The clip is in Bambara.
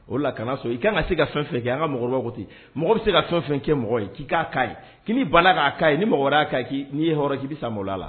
O de la kana sɔn i ka kan ka se ka fɛn o fɛn kɛ, an ka mɔgɔkɔrɔbaw ko ten, mɔgɔ bɛ se ka fɛn o fɛn kɛ mɔgɔ ye k'i k'a k'a ye, ko n'i banna k'a k'a ka ɲe ni mɔgɔ wɛrɛ y'a k'a ye n'i ye hɔrɔn ye; k'i bɛ sa a maloya la.